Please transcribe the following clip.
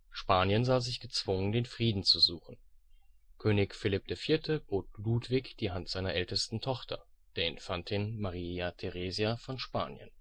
Spanien sah sich gezwungen, den Frieden zu suchen. König Philipp IV. bot Ludwig die Hand seiner ältesten Tochter, der Infantin Maria Theresia von Spanien